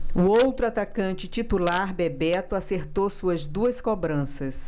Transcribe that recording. o outro atacante titular bebeto acertou suas duas cobranças